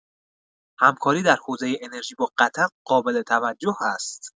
همکاری در حوزه انرژی با قطر قابل‌توجه است.